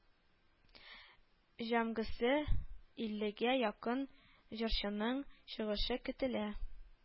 Җәмгысе иллегә якын җырчының чыгышы көтелә